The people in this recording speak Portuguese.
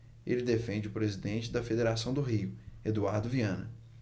ele defende o presidente da federação do rio eduardo viana